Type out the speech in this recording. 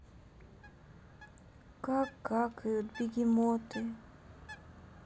как какают бегемоты